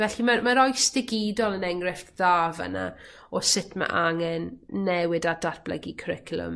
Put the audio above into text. Felly ma'r ma'r oes digidol yn enghrefft dda fyn 'na o sut ma' angen newid a datblygu cwricwlwm.